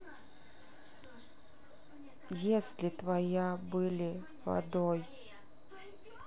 если твоя были водой